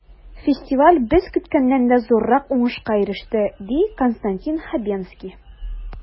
Фестиваль без көткәннән дә зуррак уңышка иреште, ди Константин Хабенский.